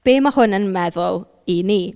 Be ma' hwn yn meddwl i ni?